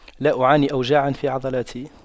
لا أعاني أوجاع في عضلاتي